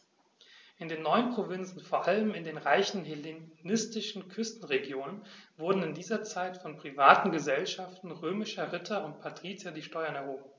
In den neuen Provinzen, vor allem in den reichen hellenistischen Küstenregionen, wurden in dieser Zeit von privaten „Gesellschaften“ römischer Ritter und Patrizier die Steuern erhoben.